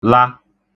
-la